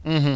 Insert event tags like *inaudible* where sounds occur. *hesitation* *hesitation*